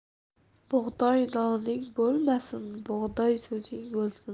bug'doy noning bo'lmasin bug'doy so'zing bo'lsin